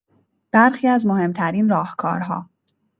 برخی از مهم‌ترین راهکارها